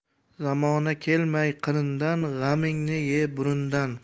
zamona kelmay qirindan g'amingni ye burundan